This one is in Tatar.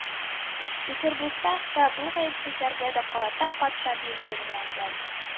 Петербургта да бу «гаепсезләр»гә карата патша билгеләгән